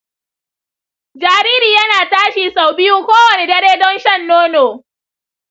jariri yana tashi sau biyu kowane dare don shan nono.